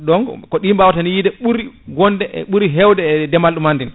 donc ko ɗi baawa ten yiide ɓuuri wonde e ɓuuri hewde e deemal ɗumanteni